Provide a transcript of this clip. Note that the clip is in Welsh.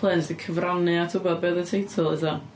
planes 'di cyfrannu at 'wbath, be oedd y teitl eto?